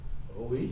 O